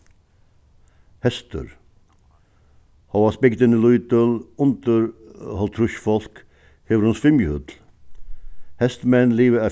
hestur hóast bygdin er lítil undir hálvtrýss fólk hevur hon svimjihøll hestmenn liva av